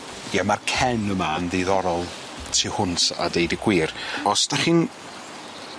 Ia ma'r cen yma yn ddiddorol tu hwnt a deud y gwir os dach chi'n